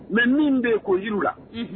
Mais min bɛ yen k'o jir'u la.